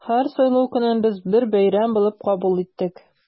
Һәр сайлау көнен без бер бәйрәм булып кабул иттек.